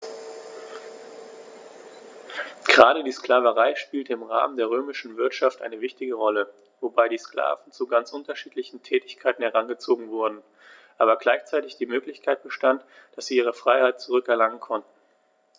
Gerade die Sklaverei spielte im Rahmen der römischen Wirtschaft eine wichtige Rolle, wobei die Sklaven zu ganz unterschiedlichen Tätigkeiten herangezogen wurden, aber gleichzeitig die Möglichkeit bestand, dass sie ihre Freiheit zurück erlangen konnten.